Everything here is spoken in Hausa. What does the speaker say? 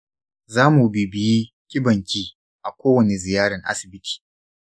zamu bibiyi ƙibanki a kowani ziyaran asibiti.